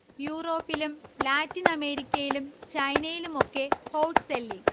യൂറോപ്പിലും ലാറ്റിനമേരിക്കയിലും ചൈനയിലുമൊക്കെ ഹോട്ട് സെല്ലിങ്